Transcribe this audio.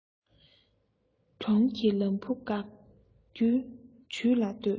གྱོང གི ལམ བུ དགག རྒྱུའི བྱུས ལ ལྟོས